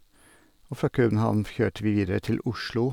Og fra København kjørte vi videre til Oslo.